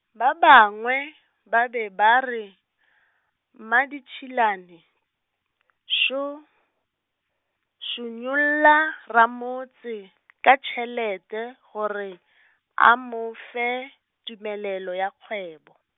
ba bangwe, ba be ba re, Mmaditšhilane tšo, šunyolla ramotse , ka tšhelete gore , a mo fe tumelelo ya kgwebo.